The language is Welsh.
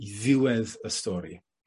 i ddiwedd y stori.